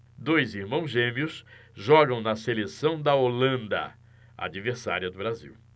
dois irmãos gêmeos jogam na seleção da holanda adversária do brasil